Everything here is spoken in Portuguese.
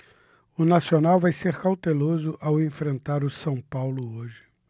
o nacional vai ser cauteloso ao enfrentar o são paulo hoje